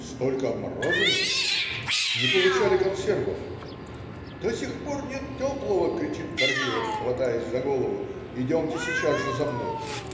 "Столько обмороженных!", "Не получали консервов?!", "До сих пор нет теплого!" - кричит Корнилов, хватаясь за голову. "Идемте сейчас же за мной".